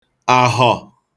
Àhọ̀